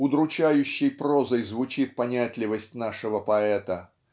Удручающей прозой звучит понятливость нашего поэта.